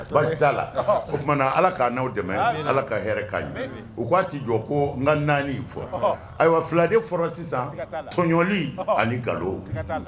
Basi t'a la; ɔnhɔn; o tumana Ala k'a an'aw dɛmɛ; ami; Ala ka hɛrɛ k'an ye; ami;. u k' a tɛ jɔ ko n ka 4 in fɔ, ɔnhɔn; ayiwa 2 de fɔra sisan, siga t'a la; tɔɲɔli; ɔnhɔn; ani nkalon; siga t'a la.